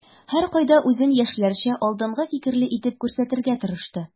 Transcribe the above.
Һәркайда үзен яшьләрчә, алдынгы фикерле итеп күрсәтергә тырышты.